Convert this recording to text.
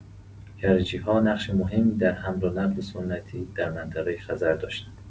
کرجی‌ها نقش مهمی در حمل و نقل سنتی در منطقه خزر داشتند.